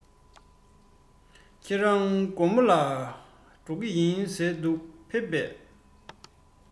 ཁྱེད རང གོར མོ ལ ཀྱི ཡིན གསུང གི འདུག ཕེབས པས